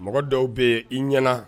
Mɔgɔ dɔw bɛ i ɲɛnaana